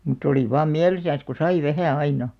mutta oli vain mielissänsä kun sai vähän aina